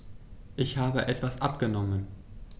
Ich habe etwas abgenommen.